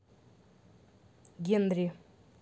генри